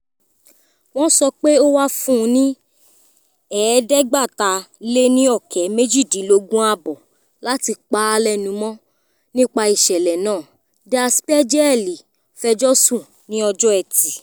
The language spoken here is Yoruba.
Wọn sọ pé ó wá fún ní $375,000 láti pa á lẹ́nu mọ́ nípa ìṣẹ̀lẹ̀ náà, Der Spiegel reported on Friday.